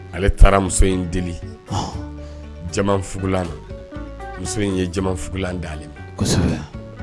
Ale taara muso in deliugulan muso in yefugulan dalen